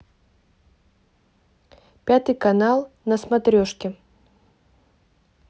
пятый канал на смотрешке